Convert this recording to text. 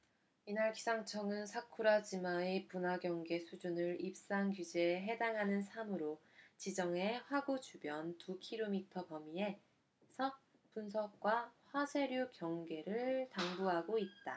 이날 기상청은 사쿠라지마의 분화 경계 수준을 입산 규제에 해당하는 삼 으로 지정해 화구 주변 두 키로미터범위에서 분석과 화쇄류 경계를 당부하고 있다